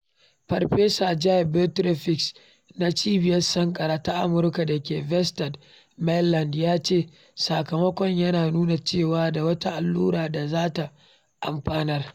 Farfesa Jay Berzofsky, na Cibiyar Sankara ta Amurka da ke Bethesda, Maryland, ya ce: “Sakamakonmu yana nuna cewa da wata allura da za ta amfanar."